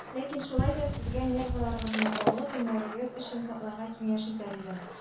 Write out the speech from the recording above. Ләкин шулай да сезгэ нерваларыгызны алгы көннәрегез өчен сакларга киңәш итәр идем